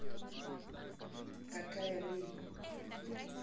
какая ляля